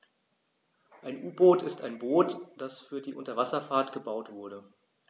Ein U-Boot ist ein Boot, das für die Unterwasserfahrt gebaut wurde.